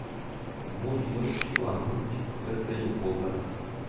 Бу ел шуларның бик күбесе юк булды